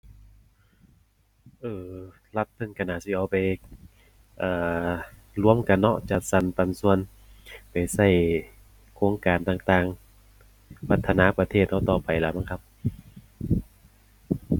เออ รัฐเพิ่นก็น่าสิเอาไป อ่า รวมกันเนาะ จัดสรรปันส่วนไปก็โครงการต่างต่าง พัฒนาประเทศก็ต่อไปล่ะมั้งครับ